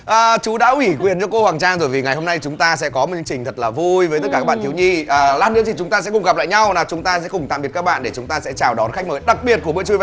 à chú đã ủy quyền cho cô hoàng trang bởi vì ngày hôm nay chúng ta sẽ có chương trình thật là vui với các bạn thiếu nhi lát nữa thì chúng ta sẽ gặp lại nhau nào chúng ta sẽ cùng tạm biệt các bạn để chúng ta sẽ chào đón khách mời đặc biệt của bữa trưa